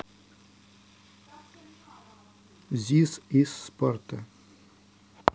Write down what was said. зис ис спарта